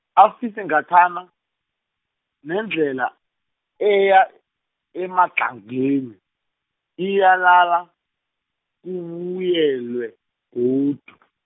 afise ngathana, nendlela, eya, eMadlangeni, iyalala, kubuyelwe, godu.